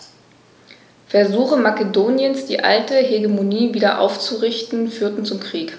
Versuche Makedoniens, die alte Hegemonie wieder aufzurichten, führten zum Krieg.